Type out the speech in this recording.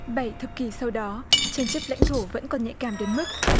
bảy thập kỷ sau đó tranh chấp lãnh thổ vẫn còn nhạy cảm đến mức